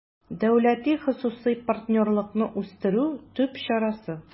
«дәүләти-хосусый партнерлыкны үстерү» төп чарасы